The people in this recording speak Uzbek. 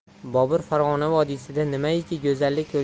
bobur farg'ona vodiysida nimaiki go'zallik